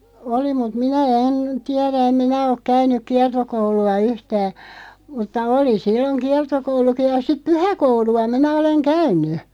oli mutta minä en tiedä en minä ole käynyt kiertokoulua yhtään mutta oli silloin kiertokoulukin ja sitten pyhäkoulua minä olen käynyt